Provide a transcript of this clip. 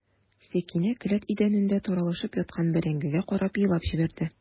Сәкинә келәт идәнендә таралышып яткан бәрәңгегә карап елап җибәрде.